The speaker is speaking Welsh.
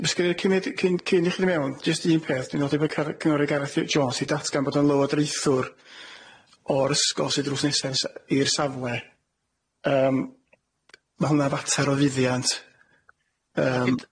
Na Mis- Misty- cyn cyn i chi fynd mewn jyst un peth dwi'n nodi bo' car- cyngorydd Gareth yy Jones di datgan bod o'n lywodraethwr o'r ysgol sy drws nesa s- i'r safle yym ma' hwnna'n fater o fuddiant yym